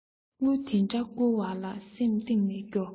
དངུལ འདི འདྲ བསྐུར བ ལ སེམས གཏིང ནས སྐྱོ